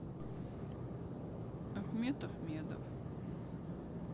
ахмед ахмедов